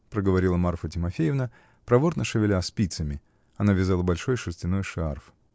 -- проговорила Марфа Тимофеевна, проворно шевеля спицами (она вязала большой шерстяной шарф).